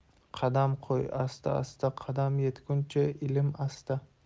qadam qo'y asta asta qadam yetguncha ilm ista